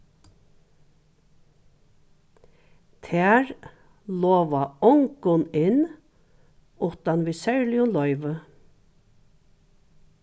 tær lova ongum inn uttan við serligum loyvi